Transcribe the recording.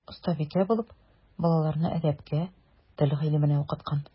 Остабикә булып балаларны әдәпкә, тел гыйлеменә укыткан.